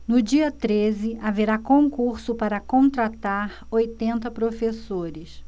no dia treze haverá concurso para contratar oitenta professores